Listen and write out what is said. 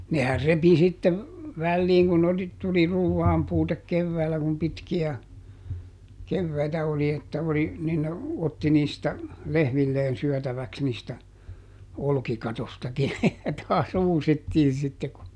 nehän repi sitten väliin kun oli tuli ruuanpuute keväällä kun pitkiä keväitä oli että oli niin ne otti niistä lehmilleen syötäväksi niistä olkikatoistakin ja taas uusittiin sitten kun